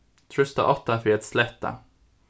trýst á átta fyri at sletta